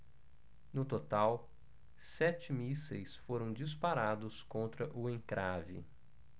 no total sete mísseis foram disparados contra o encrave